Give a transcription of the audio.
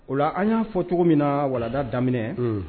O la an y'a fɔ cogo min na walada daminɛ, unhun